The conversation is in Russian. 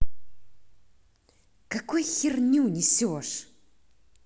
какой херню несешь